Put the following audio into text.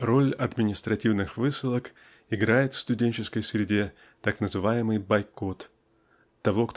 Роль административных высылок играет в студенческой среде так называемый бойкот. Того